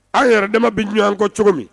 An yɛrɛ damama bɛ ɲɔgɔn an kɔ cogo min